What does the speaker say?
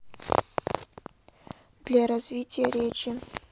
для развития речи